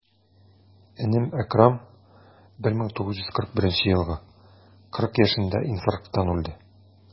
Энем Әкрам, 1941 елгы, 40 яшендә инфаркттан үлде.